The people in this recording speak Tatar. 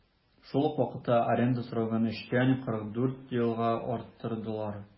Шул ук вакытта аренда срогын 3 тән 49 елга арттырдылар.